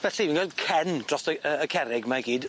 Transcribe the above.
Felly fi'n gweld cen drosto'i yy y cerrig 'my i gyd.